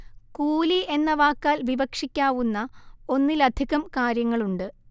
കൂലി എന്ന വാക്കാൽ വിവക്ഷിക്കാവുന്ന ഒന്നിലധികം കാര്യങ്ങളുണ്ട്